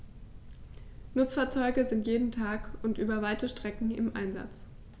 Nutzfahrzeuge sind jeden Tag und über weite Strecken im Einsatz.